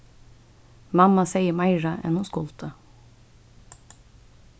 mamma segði meira enn hon skuldi